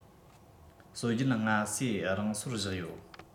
སྲོལ རྒྱུན སྔ ཟས རང སོར བཞག ཡོད